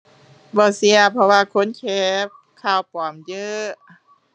บ่เชื่อ เพราะว่าคนแชร์ข่าวปลอมเยอะ